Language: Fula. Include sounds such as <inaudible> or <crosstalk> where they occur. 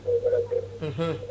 <hesitation> <hesitation>